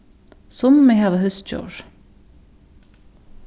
summi hava húsdjór